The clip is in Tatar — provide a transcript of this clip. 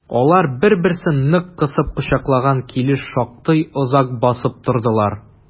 Алар бер-берсен нык кысып кочаклаган килеш шактый озак басып тордылар.